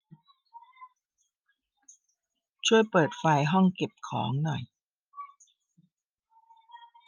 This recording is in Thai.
ช่วยเปิดไฟห้องเก็บของหน่อย